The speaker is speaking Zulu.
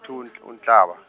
two und- uNhlaba.